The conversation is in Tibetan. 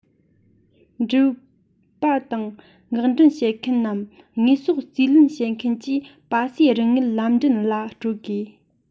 འགྲུལ པ དང མངགས འདྲེན བྱེད མཁན ནམ དངོས ཟོག རྩིས ལེན བྱེད མཁན གྱིས པ སེའི རིན དངུལ ལམ འདྲེན གླ སྤྲོད དགོས